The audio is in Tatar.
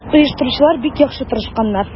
Оештыручылар бик яхшы тырышканнар.